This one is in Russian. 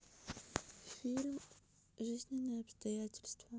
фильм жизненные обстоятельства